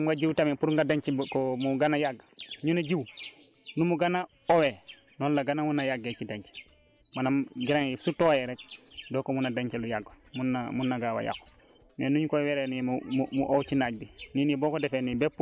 bu dee ci wàllum tamit denc bi denc jiw gi xam nga jiw tamit pour nga denc ko mu gën a yàgg ñu ne jiw nu mu gën a owee noonu la gën a mun a yàggee ci denc maanaam grain yi su tooyee rek doo ko mun a denc lu yàgg mun na mun na gaaw a yàqu